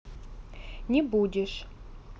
не будешь